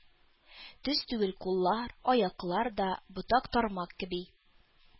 Төз түгел куллар, аяклар да — ботак-тармак кеби.